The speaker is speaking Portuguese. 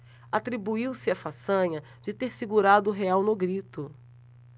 atribuiu-se a façanha de ter segurado o real no grito